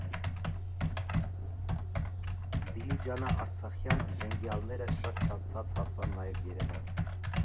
Դիլիջանա֊արցախյան ժենգյալները շատ չանցած հասան նաև Երևան.